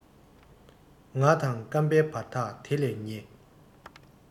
ང དང བརྐམ པའི བར ཐག དེ ལས ཉེ